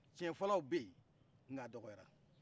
tiɲɛfɔlaw bɛ yen nga a dɔgɔyara